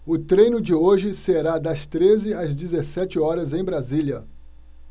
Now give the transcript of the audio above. o treino de hoje será das treze às dezessete horas em brasília